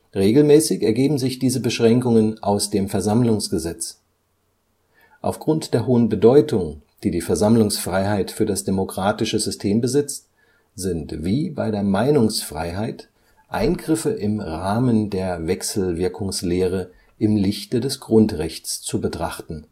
Regelmäßig ergeben sich diese Beschränkungen aus dem Versammlungsgesetz (VersammlG). Aufgrund der hohen Bedeutung, die die Versammlungsfreiheit für das demokratische System besitzt, sind wie bei der Meinungsfreiheit Eingriffe im Rahmen der Wechselwirkungslehre im Lichte des Grundrechts zu betrachten